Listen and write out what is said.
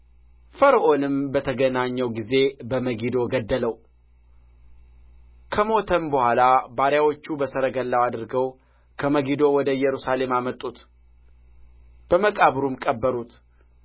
ፈርዖንም በተገናኘው ጊዜ በመጊዶ ገደለው ከሞተም በኋላ ባሪያዎቹ በሰረገላው አድርገው ከመጊዶ ወደ ኢየሩሳሌም አመጡት በመቃብሩም ቀበሩት